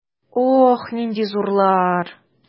Ох, нинди зурлар!